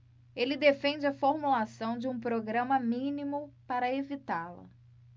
ele defende a formulação de um programa mínimo para evitá-la